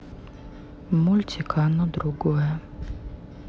мультик оно другое